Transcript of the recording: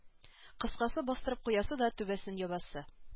Кыскасы бастырып куясы да түбәсен ябасы